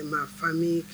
ma famille